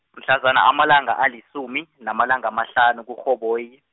mhlazana amalanga alisumi, namalanga amahlanu kuRhoboyi.